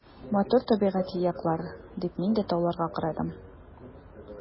Матур табигатьле яклар, — дип мин дә тауларга карадым.